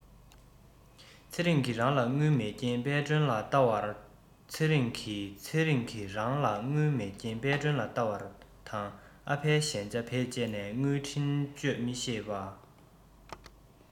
ཚེ རིང གི རང ལ དངུལ མེད རྐྱེན དཔལ སྒྲོན ལ བལྟ བར ཚེ རིང གི ཚེ རིང གི རང ལ དངུལ མེད རྐྱེན དཔལ སྒྲོན ལ བལྟ བར དང ཨ ཕའི གཞན ཆ བེད སྤྱད ནས དངུལ འཕྲིན སྤྱོད མི ཤེས པས